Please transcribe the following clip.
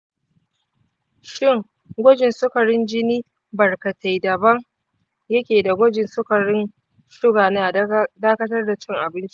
shin gwajin sukarin jini barkatai daban yake da gwajin sukarin suga na dakatar da cin abinci?